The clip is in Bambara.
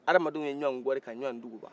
adamadenw ye ɲɔgɔn kɔri ka ɲɔgɔn duguba